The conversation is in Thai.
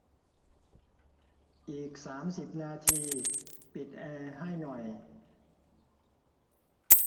อีกสามสิบนาทีปิดแอร์ให้หน่อย